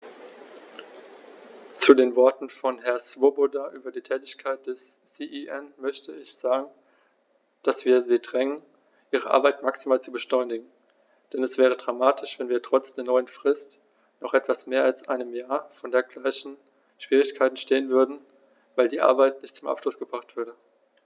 Zu den Worten von Herrn Swoboda über die Tätigkeit des CEN möchte ich sagen, dass wir sie drängen, ihre Arbeit maximal zu beschleunigen, denn es wäre dramatisch, wenn wir trotz der neuen Frist nach etwas mehr als einem Jahr vor den gleichen Schwierigkeiten stehen würden, weil die Arbeiten nicht zum Abschluss gebracht wurden.